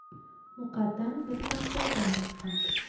muqaddam bir lahza gangib qoldi